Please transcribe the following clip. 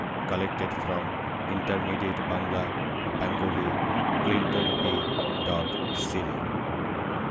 collected from intermediate Bangla Bengali Clinton B dot Seely